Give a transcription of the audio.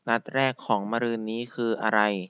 นัดแรกของมะรืนนี้คืออะไร